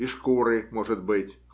И шкуры, может быть.